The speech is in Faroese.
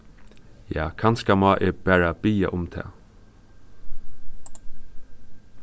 ja kanska má eg bara biðja um tað